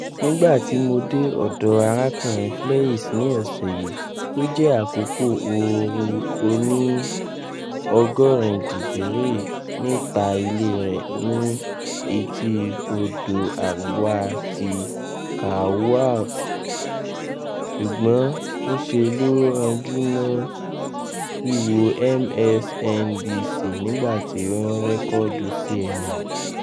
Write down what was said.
Nigba ti mo de ọdọ Arakunrin Fleiss ni ọsẹ yii, o jẹ akoko oorun oni 80 digiri nita ile rẹ ni eti odo ariwa ti Kauai, ṣugbọn n ṣe lo ranju mọ wiwo MSNBC nigba ti o n rẹkọdu CNN.